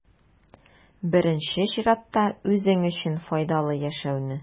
Беренче чиратта, үзең өчен файдалы яшәүне.